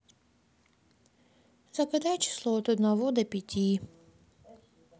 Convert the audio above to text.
загадай число от одного до пяти